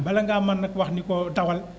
bala ngaa mën nag wax ni ko dawal